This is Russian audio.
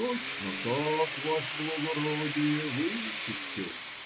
- Точно так, ваше благородие, вычистил,